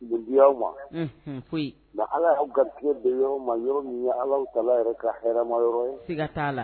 G di aw ma foyi nka ala y'aw gari bɛ yɔrɔ ma yɔrɔ min ye ala kala yɛrɛ ka hɛrɛma yɔrɔ ye se ka t'a la